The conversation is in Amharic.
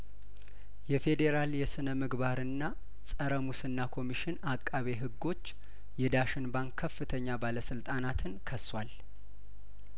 የፌዴራል የስነምግባርና ጸረ ሙስና ኮሚሽን አቃቤ ህጐች የዳሽን ባንክ ከፍተኛ ባለስልጣናትን ከሷል